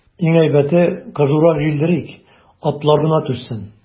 Иң әйбәте, кызурак җилдерик, атлар гына түзсен.